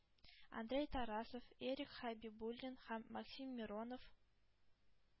Андрей Тарасов, Эрик Хәбибуллин һәм Максим Миронов